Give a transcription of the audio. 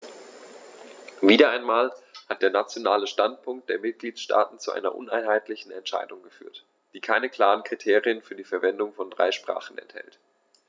Wieder einmal hat der nationale Standpunkt der Mitgliedsstaaten zu einer uneinheitlichen Entscheidung geführt, die keine klaren Kriterien für die Verwendung von drei Sprachen enthält.